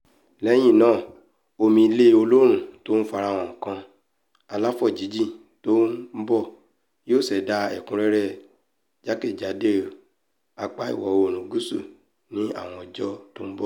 Lẹ́yìn náà, omi ilẹ̀ olóoru tó ńfara kan àlàfo jínjìn tó ḿbọ̀ yóò ṣẹ̀dá ẹ̀kúnrẹ́rẹ́ jákejádò apá Ìwọ̀-oòrùn Gúúsù ní àwọn ọjọ́ tó ḿbọ̀.